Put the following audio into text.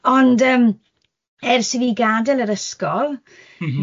ond yym ers i fi gadael yr ysgol... M-hm.